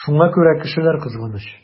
Шуңа күрә кешеләр кызганыч.